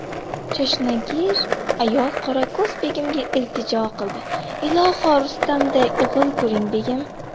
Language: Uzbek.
choshnagir ayol qorako'z begimga iltijo qildi iloho rustamday o'g'il ko'ring begim